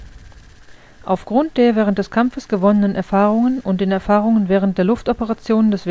Aufgrund der während des Kampfes gewonnenen Erfahrungen und den Erfahrungen während der Luftoperationen des